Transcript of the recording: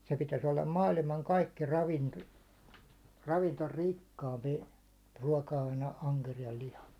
se pitäisi olla maailman kaikki - ravintorikkaampi ruoka-aine ankeriaan liha